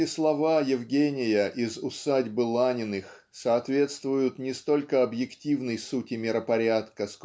эти слова Евгения из "Усадьбы Паниных" соответствуют не столько объективной сути миропорядка